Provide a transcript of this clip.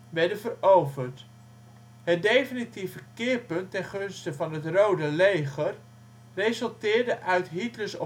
werden veroverd. Het definitieve keerpunt ten gunste van het Rode Leger resulteerde uit Hitlers